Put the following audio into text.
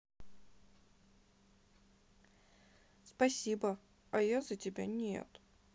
спасибо а я за тебя нет